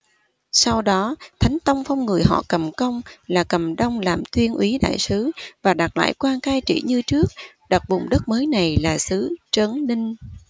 sau đó thánh tông phong người họ cầm công là cầm đông làm tuyên úy đại sứ và đặt lại quan cai trị như trước đặt vùng đất mới này là xứ trấn ninh